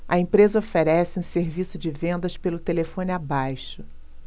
a empresa oferece um serviço de vendas pelo telefone abaixo